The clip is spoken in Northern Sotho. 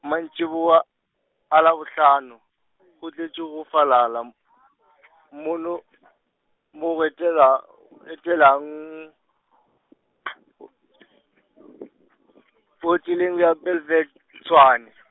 mantšiboa, a Labohlano, go tletše go falala -m, mono , mo go etela etelang , h- hoteleng ya Boulevard Tshwane.